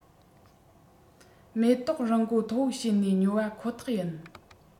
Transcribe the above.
མེ ཏོག རིན གོང མཐོ བོ བྱེད ནས ཉོ བ ཁོ ཐག ཡིན